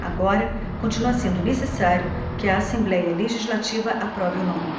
agora continua sendo necessário que a assembléia legislativa aprove o nome